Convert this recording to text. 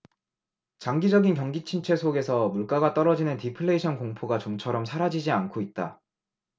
장기적인 경기침체 속에서 물가가 떨어지는 디플레이션 공포가 좀처럼 사라지지 않고 있다